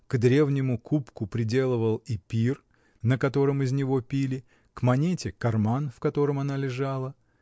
К древнему кубку приделывал и пир, на котором из него пили, к монете — карман, в котором она лежала.